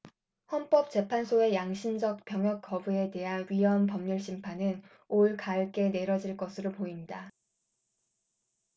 헌법재판소의 양심적 병역거부에 대한 위헌 법률심판은 올가을께 내려질 것으로 보인다